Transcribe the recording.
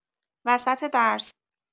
وسط درس